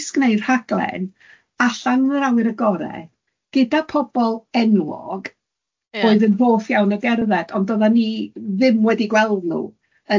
neis gneud rhaglen allan yn yr awyr agored gyda pobol enwog... Ia... oedd yn hoff iawn o gerdded, ond doddan ni ddim wedi gweld nw